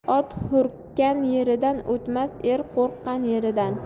ot hurkkan yeridan o'tmas er qo'rqqan yeridan